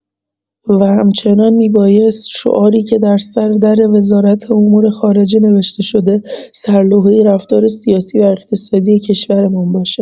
و همچنان می‌بایست شعاری که در سر در وزارت امور خارجه نوشته‌شده سر لوحه رفتار سیاسی و اقتصادی کشورمان باشد.